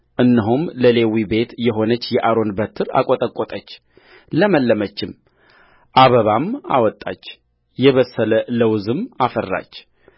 እነሆም ለሌዊ ቤት የሆነች የአሮን በትር አቈጠቈጠች ለመለመችም አበባም አወጣች የበሰለ ለውዝም አፈራች